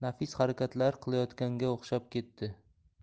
bilinmas nafis harakatlar qilayotganga o'xshab ketdi